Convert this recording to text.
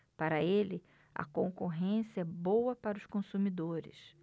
para ele a concorrência é boa para os consumidores